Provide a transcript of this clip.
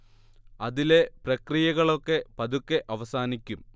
അതിലെ പ്രക്രിയകൾ ഒക്കെ പതുക്കെ അവസാനിക്കും